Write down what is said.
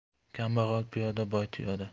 kambag'al piyoda boy tuyada